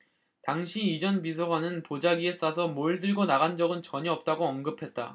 당시 이 전 비서관은 보자기에 싸서 뭘 들고 나간 적은 전혀 없다고 언급했다